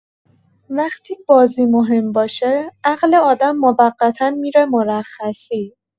وقتی بازی مهم باشه، عقل آدم موقتا می‌ره مرخصی.